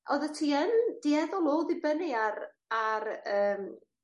oddet ti yn dueddol o ddibynnu ar ar yym